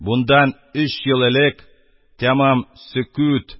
Бундан өч ел элек тәмам сөкүт